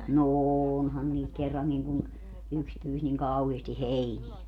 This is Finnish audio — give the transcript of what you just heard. no onhan niitä kerrankin kun yksi pyysi niin kauheasti heiniä